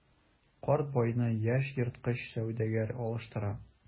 Карт байны яшь ерткыч сәүдәгәр алыштыра.